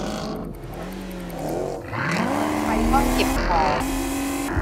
เปิดไฟห้องเก็บของ